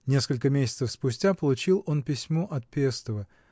Несколько месяцев спустя получил он письмо от Пестова.